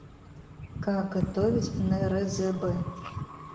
как готовить нрзб